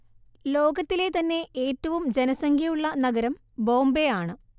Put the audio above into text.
ലോകത്തിലെ തന്നെ ഏറ്റവും ജനസംഖ്യ ഉള്ള നഗരം ബോംബെ ആണ്